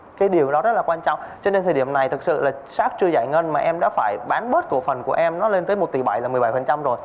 cái điều đó rất là quan trọng cho đến thời điểm này thực sự lột sát chưa giải ngân mà em đã phải bán bớt cổ phần của em nó lên tới một tỷ bảy là mười bảy phần trăm rồi